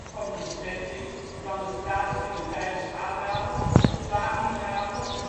kan dus plaatsvinden tijdens anale, vaginale